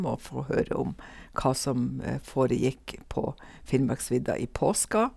Og få høre om hva som foregikk på Finnmarksvidda i påska.